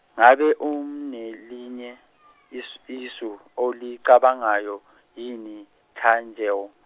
ngabe unelinye is- isu olicabangayo yini Tanjewo?